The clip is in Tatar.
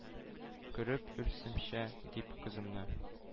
Күреп үлсәмче, дип, кызымны!